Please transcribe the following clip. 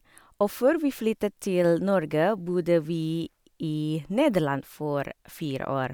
Og før vi flyttet til Norge, bodde vi i Nederland for fire år.